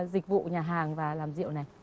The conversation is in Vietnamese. dịch vụ nhà hàng và làm rượu này